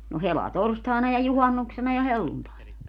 no helatorstaina ja juhannuksena ja helluntaina